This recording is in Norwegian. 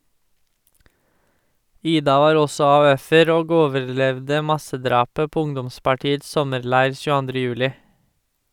Ida var også AUF-er og overlevde massedrapet på ungdomspartiets sommerleir 22. juli.